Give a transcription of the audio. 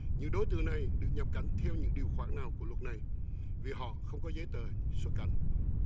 những đối tượng này được nhập cảnh theo những điều khoản nào của luật này vì họ không có giấy tờ xuất cảnh